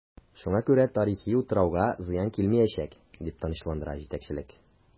Шуңа күрә тарихи утрауга зыян килмиячәк, дип тынычландыра җитәкчелек.